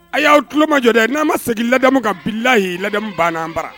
A y'aw tulomajɔ dɛ n'an ma segin ladamu kan bilahi ladamu banna an bara